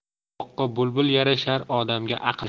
boqqa bulbul yarashar odamga aql